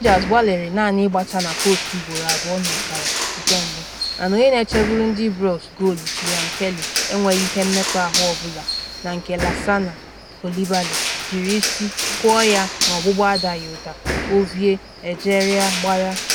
Rangers gbalịrị naanị ịgbata na postu ugboro abụọ n’ọkara nke mbu mana onye na-echeburu ndị Ibrox goolu Liam Kelly enweghị ihe mmekpa ahụ ọ bụla na nke Lassana Coulibaly jiri isi kụọ yana ọgbụgba adaghị ụda Ovie Ejaria gbara.